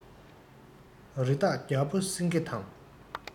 རི དྭགས རྒྱལ པོ སེང གེ དང